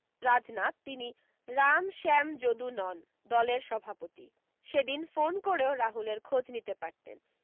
রাজনাথ তিনি রাম শ্যাম যদু নন দলের সভাপতি সে দিন ফোন করেও রাহুলের খোঁজ নিতে পারতেন